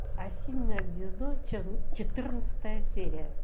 осиное гнездо четырнадцатая серия